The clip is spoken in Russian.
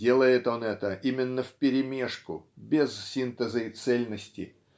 Делает он это именно вперемежку без синтеза и цельности